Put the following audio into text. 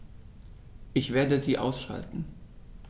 Ich werde sie ausschalten